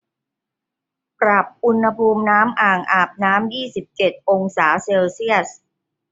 ปรับอุณหภูมิน้ำอ่างอาบน้ำยี่สิบเจ็ดองศาเซลเซียส